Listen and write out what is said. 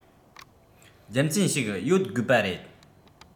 རྒྱུ མཚན ཞིག ཡོད དགོས པ རེད